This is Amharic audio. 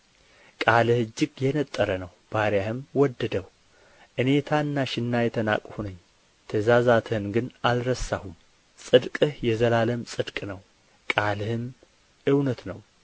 ቃልህ እጅግ የነጠረ ነው ባሪያህም ወደደው እኔ ታናሽና የተናቅሁ ነኝ ትእዛዛትህን ግን አልረሳሁም ጽድቅህ የዘላለም ጽድቅ ነው ቃልህም እውነት ነው